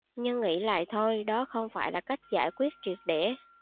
nhưng nghĩ lại thôi đó không phải là cách giải quyết triệt để